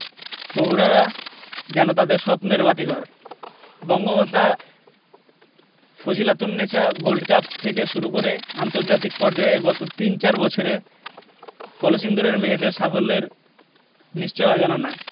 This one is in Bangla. তহুরারা যেন তাদের স্বপ্নের বাতিঘর বঙ্গমাতা ফজিলাতুন্নেছা গোল্ড কাপ থেকে শুরু করে আন্তর্জাতিক পর্যায়ে গত তিন চার বছরে কলসিন্দুরের মেয়েদের সাফল্য নিশ্চয়ই অজানা না